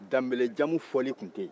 danbɛlɛ jamu fɔli tun tɛ yen